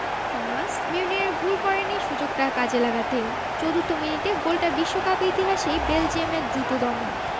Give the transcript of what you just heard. Thomas Meunier ভুল করেননি সুযোগটা কাজে লাগাতে চতুর্থ মিনিটে গোলটা বিশ্বকাপ ইতিহাসেই বেলজিয়ামের দ্রুততম